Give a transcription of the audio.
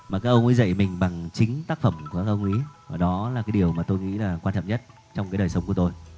mà các ông ấy dậy mình bằng chính tác phẩm của các ông ấy mà đó là cái điều mà tôi nghĩ là quan trọng nhất trong cái đời sống của tôi